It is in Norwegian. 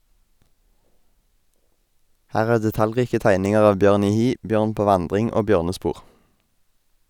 Her er detaljrike tegninger av bjørn i hi, bjørn på vandring og bjørnespor.